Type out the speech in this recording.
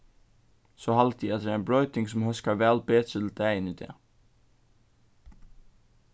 so haldi eg at tað er ein broyting sum hóskar væl betri til dagin í dag